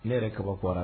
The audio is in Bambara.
Ne yɛrɛ kabakoyara